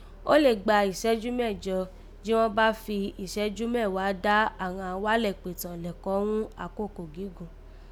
O lè gbà ìsẹ́jú mẹ́jo, jí wo bá fi ìsẹ́jú mẹ́wàá dá àghan awalẹ̀kpìtàn lẹ́kọ̀ọ́ ghún àkókò gígùn